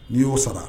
N'i y'o sara